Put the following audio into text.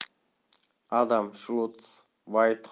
adam schultz white